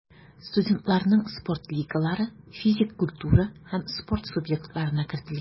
Студентларның спорт лигалары физик культура һәм спорт субъектларына кертелгән.